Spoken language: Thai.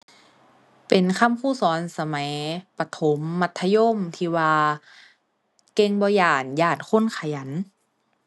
เป็นคำครูสอนสมัยประถมมัธยมที่ว่า เก่งบ่ย้าน ย้านคนขยัน